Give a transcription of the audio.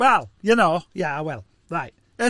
Well, you know, yeah, I will, right.